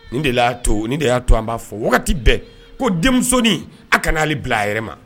Nin de y'a to ne de y'a to an b'a fɔ wagati bɛɛ ko denmisɛnnin a kana'ale bila a yɛrɛ ma